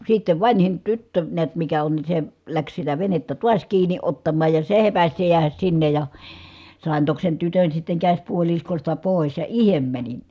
sitten vanhin tyttö näet mikä on niin se lähti sitä venettä taas kiinni ottamaan ja se hepäsi se jäädä sinne ja sain toki sen tytön sitten käsipuoliskosta pois ja itse menin